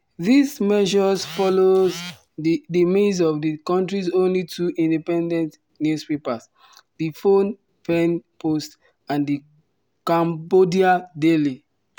These measures follow the demise of the country's only two independent newspapers — The Phnom Pehn Post and The Cambodia Daily.